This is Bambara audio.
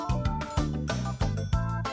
Sanunɛ yo